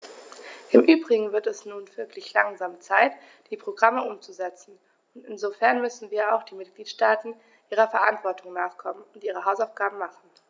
Im übrigen wird es nun wirklich langsam Zeit, die Programme umzusetzen, und insofern müssen auch die Mitgliedstaaten ihrer Verantwortung nachkommen und ihre Hausaufgaben machen.